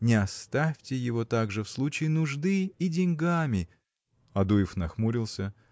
Не оставьте его также в случае нужды и деньгами. Адуев нахмурился